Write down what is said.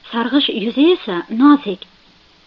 sarg'ish yuzi esa nozik